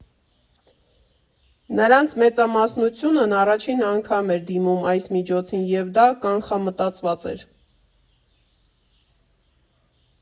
Նրանց մեծամասնությունն առաջին անգամ էր դիմում այս միջոցին, և դա կանխամտածված էր։